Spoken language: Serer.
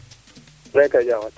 jam rekay